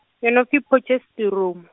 yo no pfi Potchefstroom.